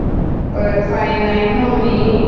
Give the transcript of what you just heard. เปิดไฟในห้องนี้